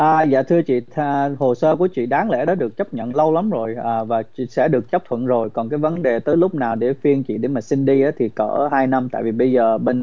a dạ thưa chị tha hồ sơ của chị đáng lẽ đã được chấp nhận lâu lắm rồi và sẽ được chấp thuận rồi còn cái vấn đề tới lúc nào để phiên chỉ để mà xin đi thì cỡ hai năm tại vì bây giờ bên